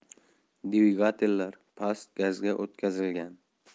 dvigatellar past gazga o'tkazilgan